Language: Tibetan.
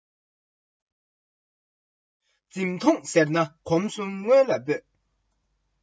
འཛིང ཐོངས ཟེར ན གོམ གསུམ སྔོན ལ སྤོས